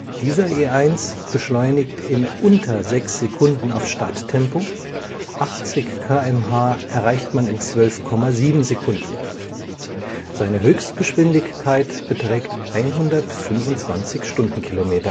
Dieser E1 beschleunigt in unter sechs Sekunden auf Stadt-Tempo, 80 km/h erreicht man in 12,7 Sekunden. Seine Höchstgeschwindigkeit beträgt 125 km/h